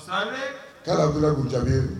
' bila kun jaabi